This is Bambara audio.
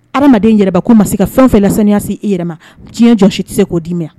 Adamadamaden jeliba ko ma se ka fɛn fɛ la saniyasi e yɛrɛ ma diɲɛ jɔn si tɛ se k'o diimi